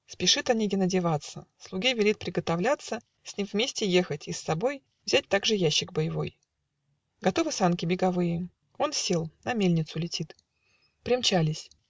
Спешит Онегин одеваться, Слуге велит приготовляться С ним вместе ехать и с собой Взять также ящик боевой. Готовы санки беговые. Он сел, на мельницу летит. Примчались.